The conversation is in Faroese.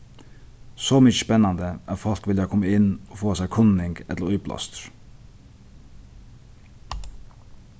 so mikið spennandi at fólk vilja koma inn og fáa sær kunning ella íblástur